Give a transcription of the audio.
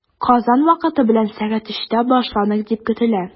Казан вакыты белән сәгать өчтә башланыр дип көтелә.